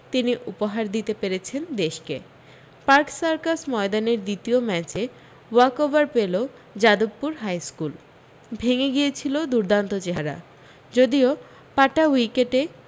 তিনি উপহার দিতে পেরেছেন দেশকে পার্ক সার্কাস ময়দানের দ্বিতীয় ম্যাচে ওয়াক ওভার পেল যাদবপুর হাইস্কুল ভেঙে গিয়েছিল দুর্দান্ত চেহারা যদিও পাটা উইকেটে